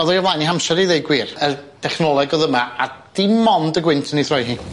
Oddo i o flaen i hamser i ddeu gwir y technoleg o'dd yma a dim ond y gwynt yn ei throi hi.